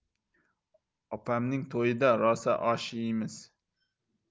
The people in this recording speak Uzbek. opamning to'yida rosa osh yeymiz